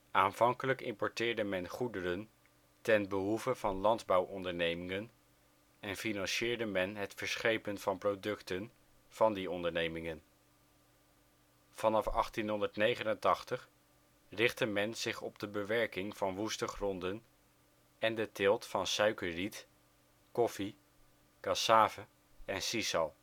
Aanvankelijk importeerde men goederen ten behoeve van landbouwondernemingen en financierde men het verschepen van producten van die ondernemingen. Vanaf 1889 richtte men zich op de bewerking van woeste gronden en de teelt van suikerriet, koffie, cassave en sisal